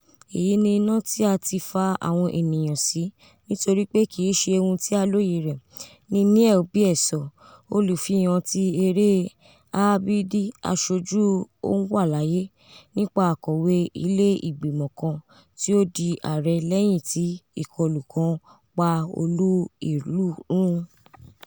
"Eyi ni ina ti a ti fa awọn eniyan si nitoripe kiiṣe ohun ti a loye rẹ," ni Neal Baer sọ, olufihan ti ere ABC "Aṣoju Onwalaye," nipa akọwe ile-igbimọ kan ti o di arẹ lẹhin ti ikolu kan pa Olu-ilu run.